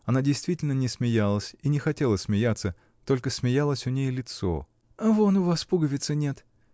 она действительно не смеялась и не хотела смеяться, только смеялось у ней лицо. — Вон у вас пуговицы нет.